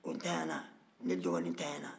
o tanɲana ne dɔgɔnin tanɲa na